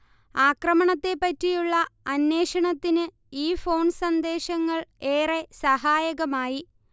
ആക്രമണത്തെപ്പറ്റിയുള്ള അന്വേഷണത്തിന് ഈ ഫോൺ സന്ദേശങ്ങൾ ഏറെ സഹായകമായി